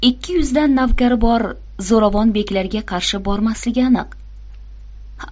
ikki yuzdan navkari bor zo'ravon beklarga qarshi bormasligi aniq